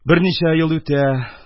Берничә ел үтә.